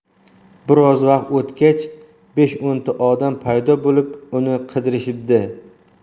bir oz vaqt o'tgach besh o'nta odam paydo bo'lib uni qidirishibdi